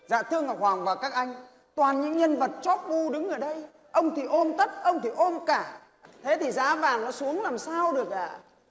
dạ thưa ngọc hoàng và các anh toàn những nhân vật chóp bu đứng ở đây ông thì ôm tất ông thì ôm cả thế thì giá vàng nó xuống làm sao được ạ